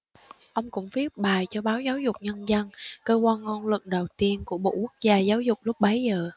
ông cũng viết bài cho báo giáo dục nhân dân cơ quan ngôn luận đầu tiên của bộ quốc gia giáo dục lúc bấy giờ